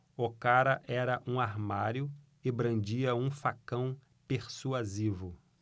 o cara era um armário e brandia um facão persuasivo